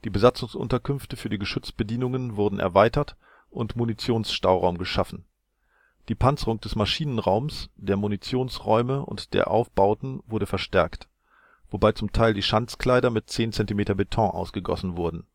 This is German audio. Besatzungsunterkünfte für die Geschützbedienungen wurden erweitert und Munitionsstauraum geschaffen. Die Panzerung des Maschinenraums, der Munitionsräume und der Aufbauten wurde verstärkt, wobei zum Teil die Schanzkleider mit 10 cm Beton ausgegossen wurden